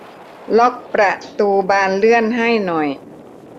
ล็อกประตูบานเลื่อนให้หน่อย